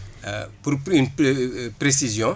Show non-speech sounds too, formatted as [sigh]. [hesitation] pour une [hesitation] précision